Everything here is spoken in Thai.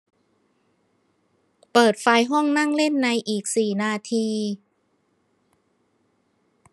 เปิดไฟห้องนั่งเล่นในอีกสี่นาที